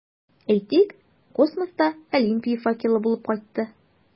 Әйтик, космоста Олимпия факелы булып кайтты.